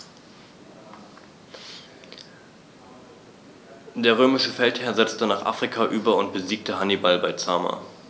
Der römische Feldherr setzte nach Afrika über und besiegte Hannibal bei Zama.